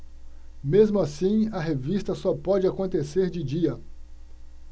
mesmo assim a revista só pode acontecer de dia